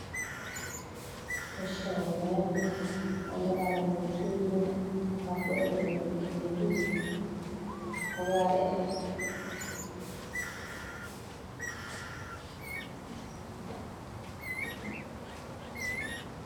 Meshan waa lami waxa manayo motoyin waxa kuyalo geedo cagar eh